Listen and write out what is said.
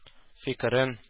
Фикерен